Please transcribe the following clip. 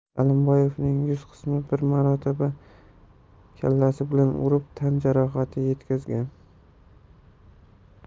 alimboyevning yuz qismiga bir marotaba kallasi bilan urib tan jarohati yetkazgan